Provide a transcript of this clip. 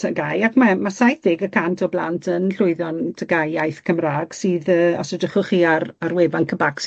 Tygau ac ma' ma' saith deg y cant o blant yn llwyddo yn Tygau iaith Cymra'g sydd yy os edrychwch chi ar ar wefan Cybac